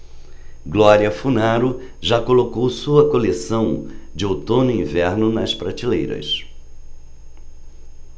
glória funaro já colocou sua coleção de outono-inverno nas prateleiras